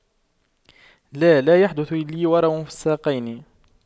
لا لا يحدث لي ورم في الساقين